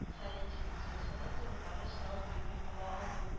Хранительница сыны турындагы сорау бирми кала алмыйм